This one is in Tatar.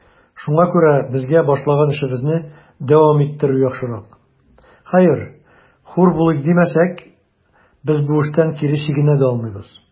Шуңа күрә безгә башлаган эшебезне дәвам иттерү яхшырак; хәер, хур булыйк димәсәк, без бу эштән кире чигенә дә алмыйбыз.